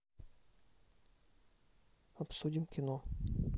обсудим кино